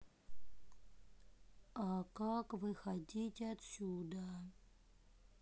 а как выходить отсюда